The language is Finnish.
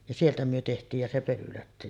ja sieltä me tehtiin ja se Pölylä